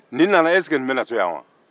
nin nana ɛseke nin bɛna to yan wa